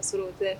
S tɛ